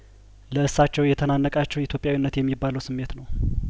ለእሳቸው የተናነቃቸው ኢትዮጵያዊነት የሚባለው ስሜት ነው